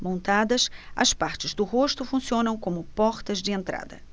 montadas as partes do rosto funcionam como portas de entrada